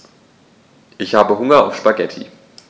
Ich habe Hunger auf Spaghetti.